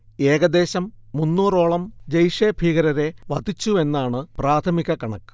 ഏകദേശം മുന്നോറോളം ജെയ്ഷെ ഭീകരരെ വധിച്ചുവെന്നാണ് പ്രാഥമിക കണക്ക്